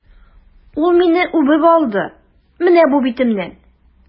Ул мине үбеп алды, менә бу битемнән!